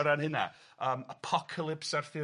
O ran hynna, yym apocalypse Arthuraidd.